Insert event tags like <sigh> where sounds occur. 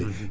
<hesitation> <hesitation>